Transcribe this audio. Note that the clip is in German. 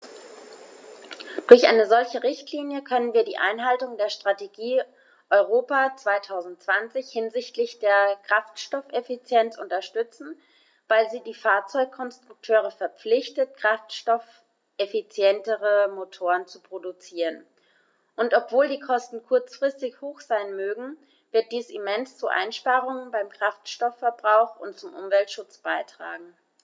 Durch eine solche Richtlinie können wir die Einhaltung der Strategie Europa 2020 hinsichtlich der Kraftstoffeffizienz unterstützen, weil sie die Fahrzeugkonstrukteure verpflichtet, kraftstoffeffizientere Motoren zu produzieren, und obwohl die Kosten kurzfristig hoch sein mögen, wird dies immens zu Einsparungen beim Kraftstoffverbrauch und zum Umweltschutz beitragen.